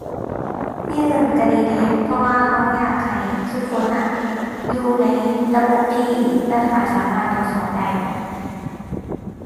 ยื่นก็ดีเดะ เพราะว่าก็อยากให้ซุคนน่ะ อยู่ในระบบที่รัฐบาลสามารถตรวจสอบได้